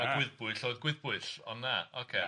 ma' gwyddbwyll oedd gwyddbwyll, ond na, ocê.